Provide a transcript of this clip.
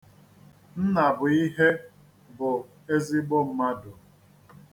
Nnabụihe bụ ezigbo mmadụ.